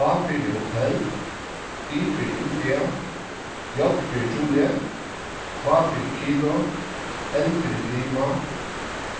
h fyri hotel i fyri india j fyri juliett k fyri kilo l fyri lima